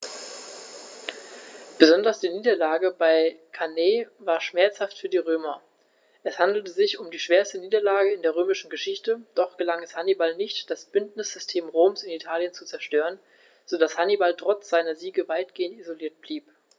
Besonders die Niederlage bei Cannae war schmerzhaft für die Römer: Es handelte sich um die schwerste Niederlage in der römischen Geschichte, doch gelang es Hannibal nicht, das Bündnissystem Roms in Italien zu zerstören, sodass Hannibal trotz seiner Siege weitgehend isoliert blieb.